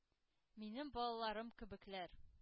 Минем балаларым кебекләр.